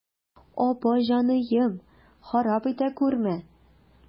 Апа җаныем, харап итә күрмә.